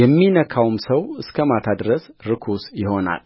የሚነካውም ሰው እስከ ማታ ድረስ ርኩስ ይሆናል